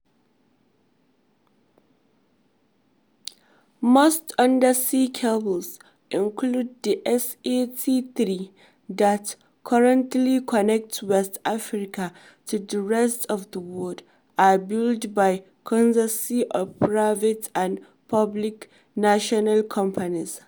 Most undersea cables, including the SAT-3 that currently connects West Africa to the rest of the world, are built by consortiums of private and public (national) companies.